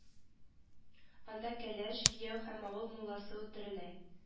Анда кәләш кияү һәм авыл мулласы үтерелә